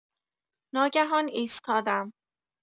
ناگهان ایستادم.